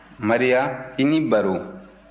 maria i ni baro